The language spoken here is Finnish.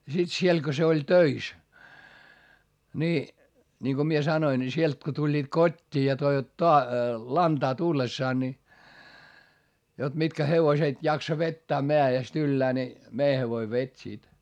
ja sitten siellä kun se oli töissä niin niin kun minä sanoin niin sieltä kun tulivat kotiin ja toivat - lantaa tullessaan niin jotta mitkä hevoset jaksaa vetää mäestä yllään niin meidän hevonen veti sitten